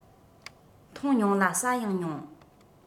འཐུང མྱོང ལ ཟ ཡང མྱོང